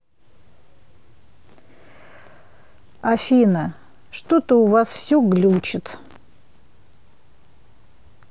афина что то у вас все глючит